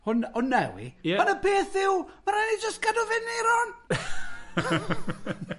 Hwn- hwnna yw hi, ond y peth yw, ma' raid i ni jyst gadw fyn Euron!